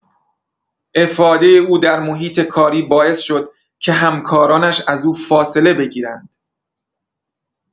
افاده او در محیط کاری باعث شد که همکارانش از او فاصله بگیرند.